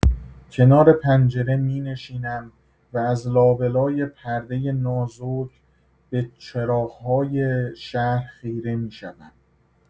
کنار پنجره می‌نشینم و از لابه‌لای پرده نازک به چراغ‌های شهر خیره می‌شوم.